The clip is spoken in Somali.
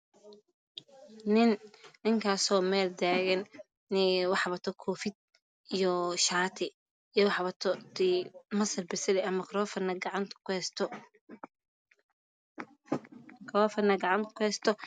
Waa nin meel taagan waxuu wataa koofi iyo shaati makaroofana gacanta kuheysto.